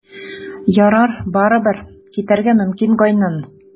Ярар, барыбер, китәргә мөмкин, Гайнан.